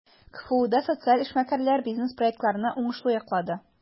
КФУда социаль эшмәкәрләр бизнес-проектларны уңышлы яклады.